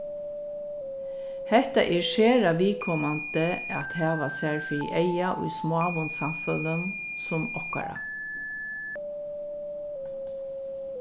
hetta er sera viðkomandi at hava sær fyri eyga í smáum samfeløgum sum okkara